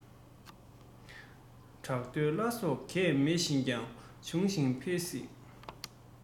བྲག རྡོའི བླ སྲོག རྒས མེད ཞིག ཀྱང འབྱུང ཞིང འཕེལ སྲིད